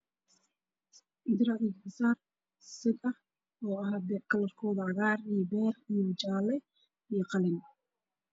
Dilac io gabasar sed ah oo kalarkode cagar io baar io jale io qalin